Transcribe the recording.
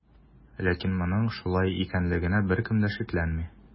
Ләкин моның шулай икәнлегенә беркем дә шикләнми.